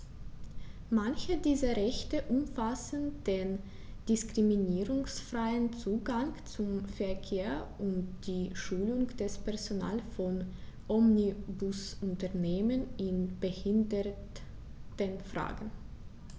Manche dieser Rechte umfassen den diskriminierungsfreien Zugang zum Verkehr und die Schulung des Personals von Omnibusunternehmen in Behindertenfragen.